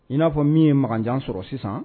I n'a fɔ min ye makanjan sɔrɔ sisan